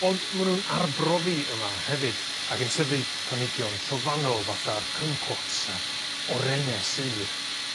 Ond ma' nw'n arbrofi yma hefyd ag yn tyfu planhigion trofannol fatha'r cumquats a'r orene sur.